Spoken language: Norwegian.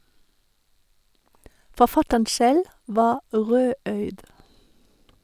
Forfatteren selv var rødøyd.